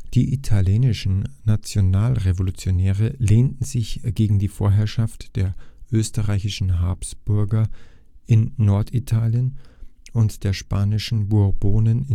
Die italienischen Nationalrevolutionäre lehnten sich gegen die Vorherrschaft der österreichischen Habsburger in Norditalien und der spanischen Bourbonen